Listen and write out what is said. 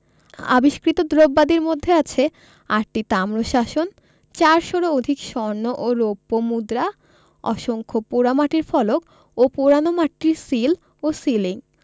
আবিষ্কৃত দ্রব্যাদির মধ্যে আছে আটটি তাম্রশাসন চারশরও অধিক স্বর্ণ ও রৌপ্য মুদ্রা অসংখ্য পোড়ামাটিফলক ও পোড়ানো মাটির সিল ও সিলিং